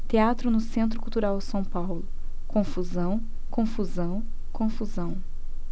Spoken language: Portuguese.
teatro no centro cultural são paulo confusão confusão confusão